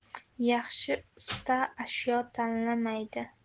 yaxshi usta ashyo tanlamaydi